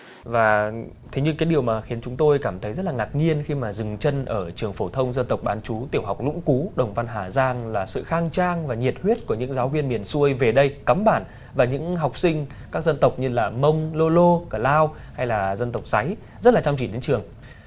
và thế nhưng cái điều mà khiến chúng tôi cảm thấy rất là ngạc nhiên khi mà dừng chân ở trường phổ thông dân tộc bán trú tiểu học lũng cú đồng văn hà giang là sự khang trang và nhiệt huyết của những giáo viên miền xuôi về đây cắm bản và những học sinh các dân tộc như là mông lô lô cờ lao hay là dân tộc dáy rất là chăm chỉ đến trường